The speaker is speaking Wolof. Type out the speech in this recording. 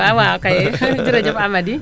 waaw kay jërëjëf amady